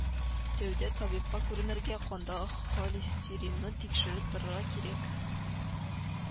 Тәүдә табибка күренергә, кандагы холестеринны тикшертеп торырга кирәк